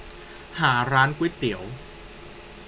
หาร้านก๋วยเตี๋ยว